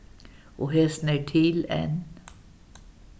og hesin er til enn